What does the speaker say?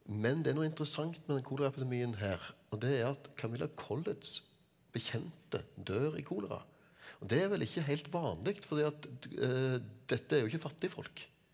men det er noe interessant med denne koleraepidemien her og det er at Camilla Colletts bekjente dør i kolera og det er vel ikke helt vanlig fordi at dette er jo ikke fattigfolk.